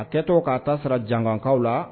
A kɛtɔ k'a ta sira jangakaw la